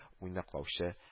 Уйнаклаучы